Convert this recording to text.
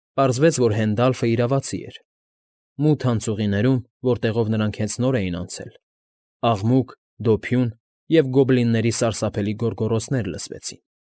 Պարզվեց, որ Հենդալֆն իրավացի էր. մութ անցուղիներում, որտեղով նրանք հենց նոր էին անցել, աղմուկ, դոփյուն և գոբլինների սարսափելի գոռգոռոցներ լսվեցին։